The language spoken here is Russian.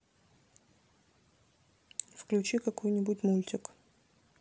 включи какой нибудь мультик